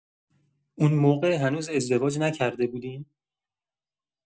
اون موقع هنوز ازدواج نکرده بودین؟